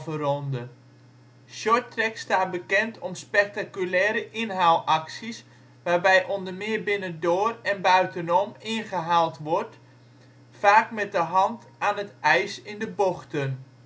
ronde). Shorttrack staat bekend om spectaculaire inhaalacties, waarbij onder meer binnendoor en buitenom ingehaald wordt, vaak met de hand aan het ijs in de bochten